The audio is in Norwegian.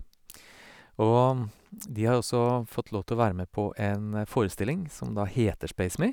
Og de har også fått lov til å være med på en forestilling som da heter Space Me.